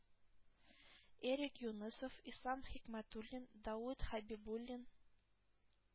Эдик Юнысов, Ислам Хикмәтуллин, Давыт Хәбибуллин,